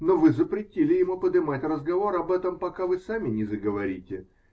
Но вы запретили ему подымать разговор об этом, пока вы сами не заговорите.